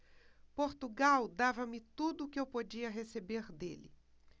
portugal dava-me tudo o que eu podia receber dele